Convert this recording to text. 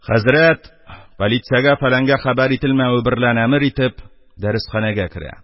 Хәзрәт, политсәгә-фәләнгә хәбәр ителмәве берлән әмер итеп, дәресханәгә керә.